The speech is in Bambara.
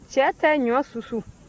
cɛ tɛ ɲɔ susu